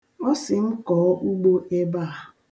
Ọ sị m kọọ ugbo ebe a.